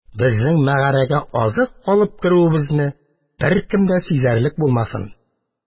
Безнең мәгарәгә азык алып керүебезне беркем дә сизәрлек булмасын.